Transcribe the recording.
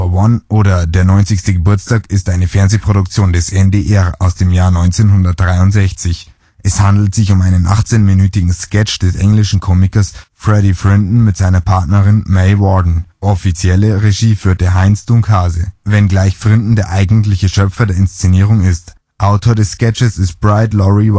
One oder Der neunzigste Geburtstag ist eine Fernsehproduktion des NDR aus dem Jahr 1963. Es handelt sich um einen 18-minütigen Sketch des englischen Komikers Freddie Frinton mit seiner Partnerin May Warden. „ Offizielle “Regie führte Heinz Dunkhase, wenngleich Frinton der eigentliche Schöpfer der Inszenierung ist. Autor des Sketches ist der Brite Lauri